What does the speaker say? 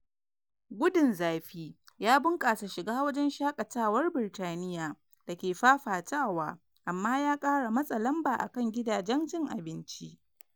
Gudun zafi ya bunkasa shiga wajen shakatawa Birtaniya da ke fafatawa amma ya kara matsa lamba a kan gidajen cin abinci.